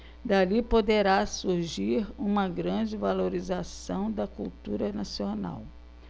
dali poderá surgir uma grande valorização da cultura nacional